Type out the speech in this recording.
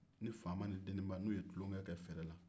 ni faama ni deniba n'u ye tulonkɛ kɛ fɛrɛ la